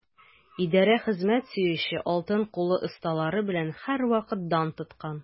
Идарә хезмәт сөюче, алтын куллы осталары белән һәрвакыт дан тоткан.